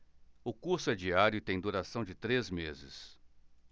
o curso é diário e tem duração de três meses